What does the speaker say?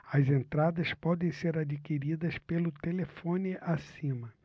as entradas podem ser adquiridas pelo telefone acima